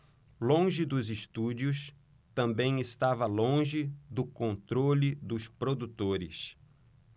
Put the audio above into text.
longe dos estúdios também estava longe do controle dos produtores